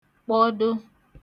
kpọdo